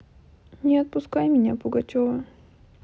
не отпускай меня пугачева